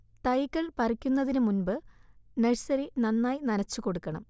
തൈകൾ പറിക്കുന്നതിന് മുൻപ് നഴ്സറി നന്നായി നനച്ചുകൊടുക്കണം